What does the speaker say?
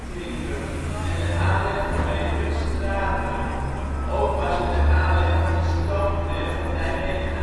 1928) en de aanleg van betere straten. Ook was er de aanleg van de stoomtram van Nijmegen